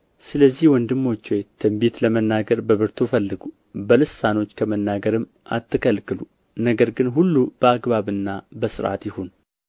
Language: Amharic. ስለዚህ ወንድሞች ሆይ ትንቢት ለመናገር በብርቱ ፈልጉ በልሳኖች ከመናገርም አትከልክሉ ነገር ግን ሁሉ በአገባብና በሥርዓት ይሁን